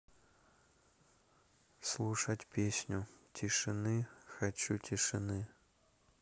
слушать песню тишины хочу тишины